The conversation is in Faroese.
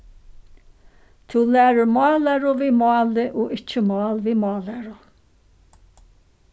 tú lærir mállæru við máli og ikki mál við mállæru